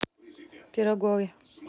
пироговый